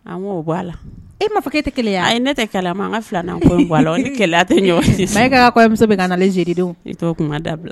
An ko bɔ a la, e ma fɔ e tɛ keleya wa, ayi ne tɛ keleya mais an ka 2 nan ko in bɔ a la ,, o ni keleya tɛ ɲɔgɔn Mayiga ka kɔɲɔmuso bɛka nalen jeudi don, i to kuma dabila.